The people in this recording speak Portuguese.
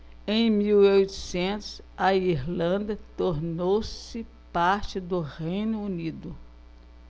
em mil e oitocentos a irlanda tornou-se parte do reino unido